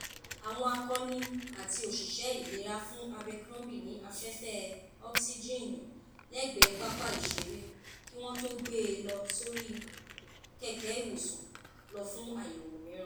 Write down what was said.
Àwọn Akọni àti òṣìṣẹ́ ìlera fún Abercrombie ní afẹ́fẹ́ oxygen lẹ́gbẹ̀é pápá ìṣere kí wọ́n tó gbé e lé orí kẹ́kẹ́-ìwòsàn lọ fún àyẹ̀wò míràn.